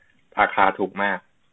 ราคาถูกมาก